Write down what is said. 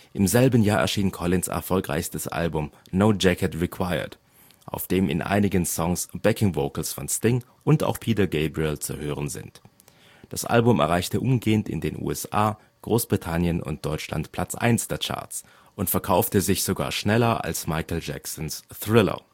Im selben Jahr erschien Collins ' erfolgreichstes Album No Jacket Required, auf dem in einigen Songs Backing Vocals von Sting und auch Peter Gabriel zu hören sind. Das Album erreichte umgehend in den USA, Großbritannien und Deutschland Platz Eins der Charts und verkaufte sich sogar schneller als Michael Jacksons Thriller